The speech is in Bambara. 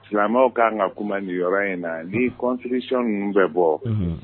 Silamɛw k'an ka kuma niyɔrɔ in na ni kɔnfition ninnu bɛ bɔ